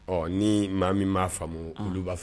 Ɔ ni maa min b'a faamu olu b'a fɔ